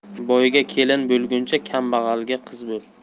boyga kelin bo'lguncha kambag'alga qiz bo'l